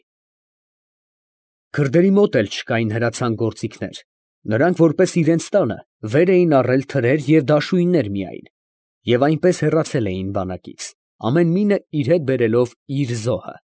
Քրդերի մոտ էլ չկային հրացան գործիքներ. նրանք, որպես իրանց տանը, վեր էին առել թրեր և դաշույններ միայն, և այնպես հեռացել էին բանակից, ամեն մինը իր հետ բերելով իր զոհը։